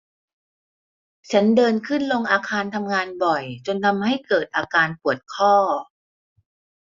ฉันเดินขึ้นลงอาคารทำงานบ่อยจนทำให้เกิดอาการปวดข้อ